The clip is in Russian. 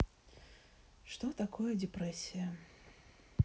что такое депрессия